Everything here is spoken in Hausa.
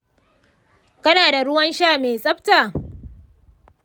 kana da ruwan sha mai tsabta?